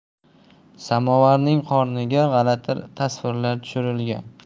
samovarning qorniga g'alati tasvirlar tushirilgan